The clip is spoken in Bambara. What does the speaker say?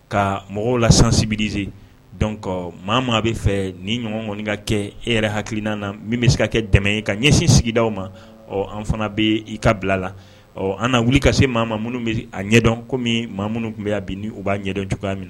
Ka mɔgɔw la sansibidize dɔn kɔ maa maa bɛ fɛ ni ɲɔgɔn kɔniɔni ka kɛ e yɛrɛ hakilikiina na min bɛ se ka kɛ dɛmɛ ye ka ɲɛsin sigida aw ma an fana bɛ i ka bila la ɔ an' wuli ka se maa minnu a ɲɛdɔn kɔmi maa minnu tun bɛ bin u b'a ɲɛdɔn cogoya minɛ na